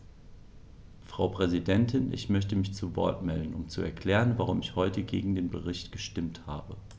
Frau Präsidentin, ich möchte mich zu Wort melden, um zu erklären, warum ich heute gegen den Bericht gestimmt habe.